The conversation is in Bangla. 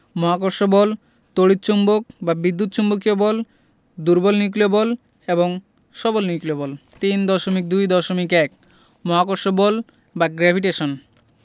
মহাকর্ষ বল তড়িৎ চৌম্বক বা বিদ্যুৎ চুম্বকীয় বল দুর্বল নিউক্লিয় বল ও সবল নিউক্লিয় বল ৩.২.১ মহাকর্ষ বল বা গ্রেভিটেশন